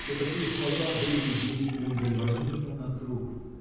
что такие слова были бы действием гальванизма на труп